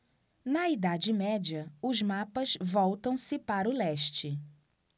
na idade média os mapas voltam-se para o leste